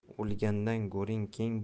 o'lganda go'ring keng